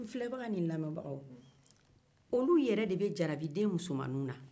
n' filɛbaga ni lamɛnbagaw oluw yɛrɛ de bɛ jarabi den musomannin na